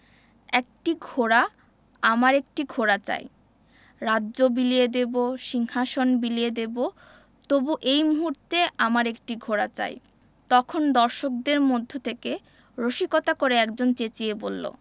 একটি ঘোড়া আমার একটি ঘোড়া চাই রাজ্য বিলিয়ে দেবো সিংহাশন বিলিয়ে দেবো তবু এই মুহূর্তে আমার একটি ঘোড়া চাই তখন দর্শকদের মধ্য থেকে রসিকতা করে একজন চেঁচিয়ে বললো